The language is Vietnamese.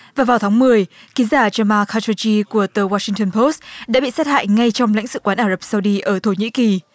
và vào tháng mười ký giả choi ma ca gioi chi của tờ goa sinh tơn pốt đã bị sát hại ngay trong lãnh sự quán ả rập sao đi ở thổ nhĩ kỳ